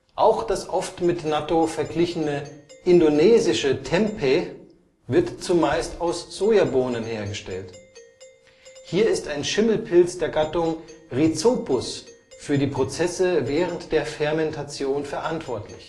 Auch das oft mit Nattō verglichene indonesische Tempeh wird zumeist aus Sojabohnen hergestellt. Hier ist ein Schimmelpilz der Gattung Rhizopus für die Prozesse während der Fermentation verantwortlich